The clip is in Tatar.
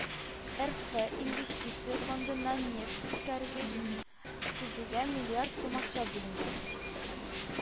РФ Инвестиция фондыннан нефть үткәргеч төзүгә миллиард сум акча бүленгән